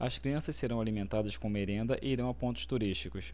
as crianças serão alimentadas com merenda e irão a pontos turísticos